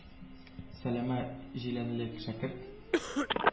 Сәләмә җиләнле шәкерт,